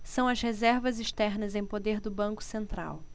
são as reservas externas em poder do banco central